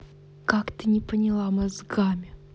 как ты не поняла мозгами